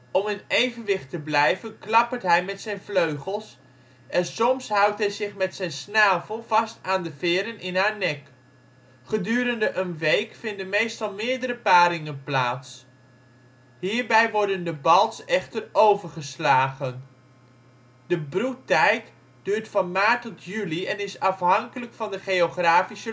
Om in evenwicht te blijven klappert hij met zijn vleugels, en soms houdt hij zich met zijn snavel vast aan de veren in haar nek. Gedurende een week vinden meestal meerdere paringen plaats. Hierbij wordt de balts echter overgeslagen. De broedtijd duurt van maart tot juli en is afhankelijk van de geografische